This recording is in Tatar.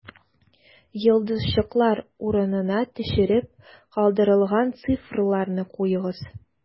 Йолдызчыклар урынына төшереп калдырылган цифрларны куегыз: